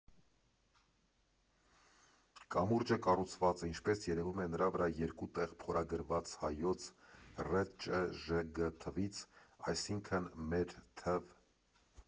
Կամուրջը կառուցված է ինչպես երևում է նրա վրա երկու տեղ փորագրված հայոց ՌՃԺԳ թվից, այսինքն մեր թվ.